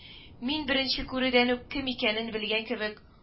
—мин беренче күрүдән үк кем икәнен белгән кебек